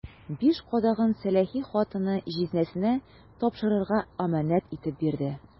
Биш кадагын сәләхи хатыны җизнәсенә тапшырырга әманәт итеп бирде.